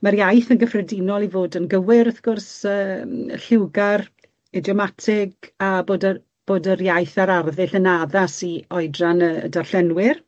Ma'r iaith yn gyffredinol i fod yn gywir wrth gwrs yn lliwgar, idiomatig, a bod y bod yr iaith a'r arddull yn addas i oedran y darllenwyr.